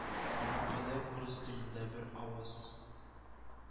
Моңа кадәр урыс телендә бер авыз